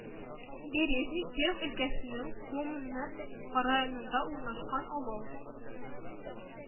Березник Киров өлкәсенең Кум ны районында урнашкан авыл